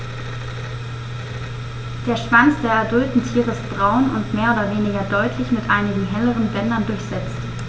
Der Schwanz der adulten Tiere ist braun und mehr oder weniger deutlich mit einigen helleren Bändern durchsetzt.